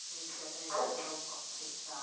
Ti'n licio gwneud pethau robotics a...